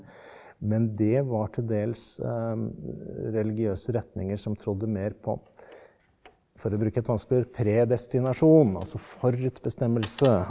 men det var til dels religiøse retninger som trodde mer på, for å bruke et vanskelig ord, predestinasjon, altså forutbestemmelse.